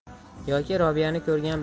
yoki robiyani ko'rgan